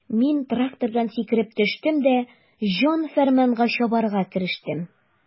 Мин трактордан сикереп төштем дә җан-фәрманга чабарга керештем.